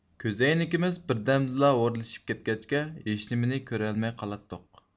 كۆزەينىكىمىز بىردەمدىلا ھورلىشىپ كەتكەچكە ھېچنېمىنى كۆرەلمەي قالاتتۇق